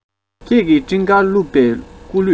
ཁྱེད ཀྱི སྤྲིན དཀར བཀླུབས པའི སྐུ ལུས